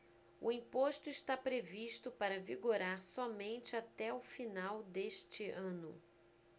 o imposto está previsto para vigorar somente até o final deste ano